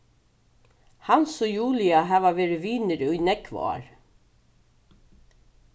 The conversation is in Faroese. hans og julia hava verið vinir í nógv ár